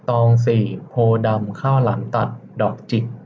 ตองสี่โพธิ์ดำข้าวหลามตัดดอกจิก